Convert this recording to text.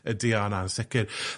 Ydi, o, na, yn sicir.